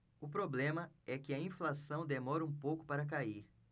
o problema é que a inflação demora um pouco para cair